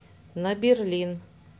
на берлин